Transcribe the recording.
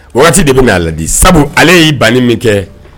Waati de bɛ n'a laadi sabu ale ye banni min kɛ.